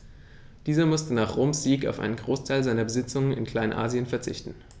Dieser musste nach Roms Sieg auf einen Großteil seiner Besitzungen in Kleinasien verzichten.